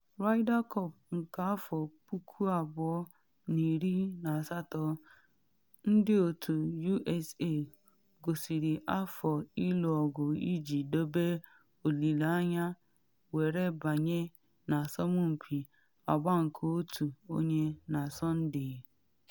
Ryder Cup 2018: Ndị otu USA gosiri afọ ịlụ ọgụ iji dobe olile anya were banye na asompi agba nke otu onye na Sọnde